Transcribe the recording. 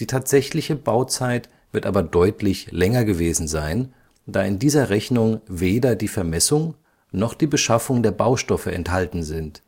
Die tatsächliche Bauzeit wird aber deutlich länger gewesen sein, da in dieser Rechnung weder die Vermessung noch die Beschaffung der Baustoffe enthalten sind